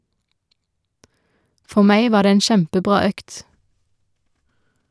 - For meg var det en kjempebra økt.